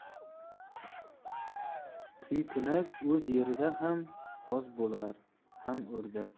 kuykunak o'z yerida ham g'oz bo'lar ham o'rdak